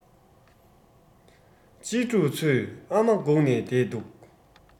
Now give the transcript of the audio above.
གཅེས ཕྲུག ཚོས ཨ མ སྒུག ནས བསྡད འདུག